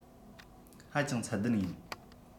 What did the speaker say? ཧ ཅང ཚད ལྡན ཡིན